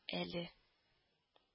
Әле